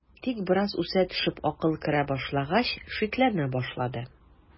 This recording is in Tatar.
Тик бераз үсә төшеп акыл керә башлагач, шикләнә башлады.